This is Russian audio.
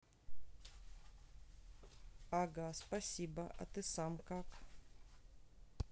ага спасибо а ты сам как